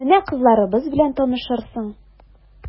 Менә кызларыбыз белән танышырсың...